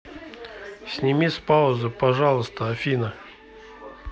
сними с паузы пожалуйста афина